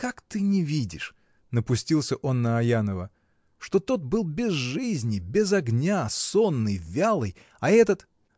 Как ты не видишь, — напустился он на Аянова, — что тот был без жизни, без огня, сонный, вялый, а этот!.